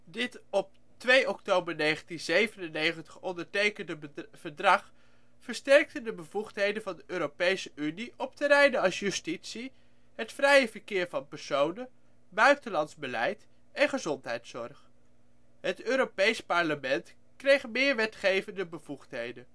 Dit op 2 oktober 1997 ondertekende verdrag versterkte de bevoegdheden van de Europese Unie op terreinen als justitie, het vrije verkeer van personen, buitenlands beleid en gezondheidszorg. Het Europees Parlement kreeg meer wetgevende bevoegdheden